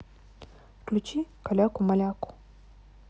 включи каляку маляку